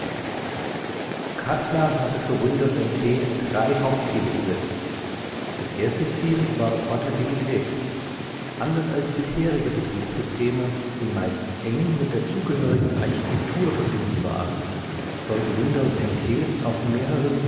Cutler hatte für Windows NT drei Hauptziele gesetzt. Das erste Ziel war Portabilität: Anders als bisherige Betriebssysteme, die meist eng mit der zugehörigen Architektur verbunden waren, sollte Windows NT auf mehreren